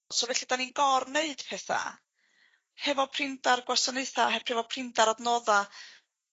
So felly 'dan ni'n gorneud petha. Hefo prindar gwasanaetha' heb hefo prindar adnodda'